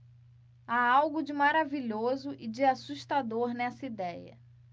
há algo de maravilhoso e de assustador nessa idéia